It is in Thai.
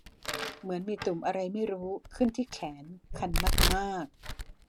เหมือนมีตุ่มอะไรไม่รู้ขึ้นที่แขนคันมากมาก